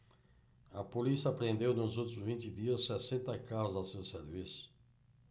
a polícia apreendeu nos últimos vinte dias sessenta carros a seu serviço